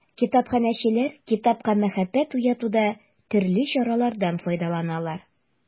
Китапханәчеләр китапка мәхәббәт уятуда төрле чаралардан файдаланалар.